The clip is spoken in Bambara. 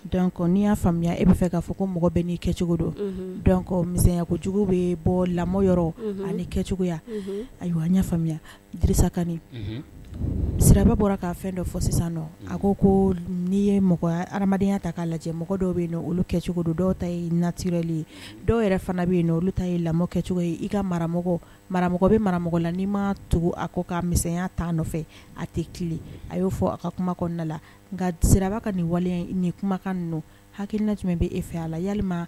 Dɔn'i y'a faamuyamu e bɛ fɛ k'a fɔ ko mɔgɔ bɛ' kɛcogoya bɛ bɔ lamɔ ale kɛcogo ayiwa an faamuyasa sira bɔra ka fɛn dɔ fɔ sisan a ko n'i ye mɔgɔ adamadenyaya ta k'a lajɛ mɔgɔ dɔw bɛ olu kɛcogo don dɔw ta ye natilen ye dɔw yɛrɛ fana bɛ yen olu ta ye lamɔkɛcogo ye i ka mara mara bɛ maramɔgɔ la n'i ma tugu a ko ka misɛnya t' nɔfɛ a tɛ a y'o fɔ a ka kuma na nka siraba ka nin wale nin kumakan ninnu haina jum bɛ e fɛ a la ya